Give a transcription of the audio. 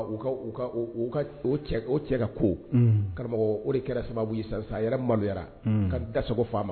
Cɛ ka ko karamɔgɔ o de kɛra sababu ye san yɛrɛ maloyara ka dasa faama